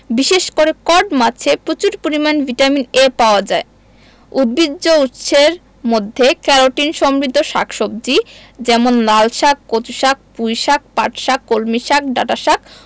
বিশেষ করে কড মাছে প্রচুর পরিমান ভিটামিন A পাওয়া যায় উদ্ভিজ্জ উৎসের মধ্যে ক্যারোটিন সমৃদ্ধ শাক সবজি যেমন লালশাক কচুশাক পুঁইশাক পাটশাক কলমিশাক ডাঁটাশাক